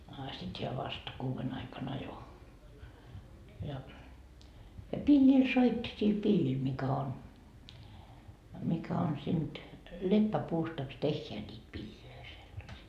a sitten hän vasta kuuden aikana ajoi ja ja pillillä soitti sillä pillillä mikä on mikä on siitä leppäpuustakos tehdään niitä pillejä sellaisia